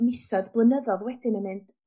misoedd blynyddodd wedyn yn mynd